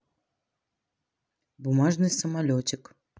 бумажный самолетик